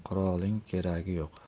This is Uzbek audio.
qurolning keragi yo'q